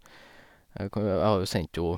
kajoa Jeg har jo sendt ho...